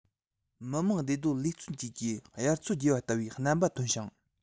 མི དམངས བདེ སྡོད ལས བརྩོན བཅས ཀྱི དབྱར མཚོ རྒྱས པ ལྟ བུའི རྣམ པ ཞིག ཐོན ཞིང